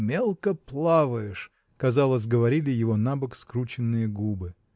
мелко плаваешь!" -- казалось, говорили его набок скрученные губы.